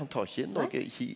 han tar ikkje inn noko i.